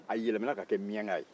a yɛlɛmana ka kɛ miayanka ye